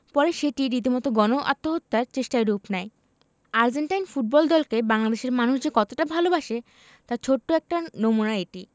পরে সেটি রীতিমতো গণ আত্মহত্যার চেষ্টায় রূপ নেয় আর্জেন্টাইন ফুটবল দলকে বাংলাদেশের মানুষ যে কতটা ভালোবাসে তার ছোট্ট একটা নমুনা এটি